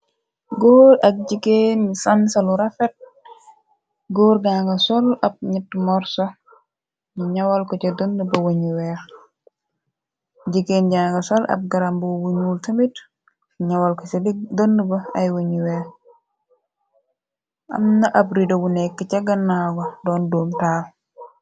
góor ak jigeen ñi san salu rafat gór ganga sol ab ñet morsa ñu ñawal ko ca dën ba wëñu weer jigeen ja nga sol ab garambo buñul tamit ñawal ko ca dënd ba ay wëñu weer amna ab rida bu nekk ca gannawa doon doom taaw